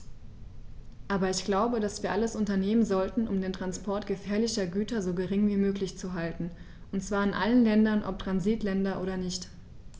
Aber ich glaube, dass wir alles unternehmen sollten, um den Transport gefährlicher Güter so gering wie möglich zu halten, und zwar in allen Ländern, ob Transitländer oder nicht.